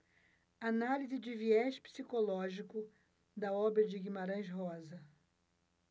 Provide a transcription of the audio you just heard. análise de viés psicológico da obra de guimarães rosa